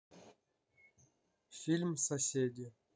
фильм соседи